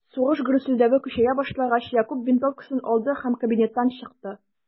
Сугыш гөрселдәве көчәя башлагач, Якуб винтовкасын алды һәм кабинеттан чыкты.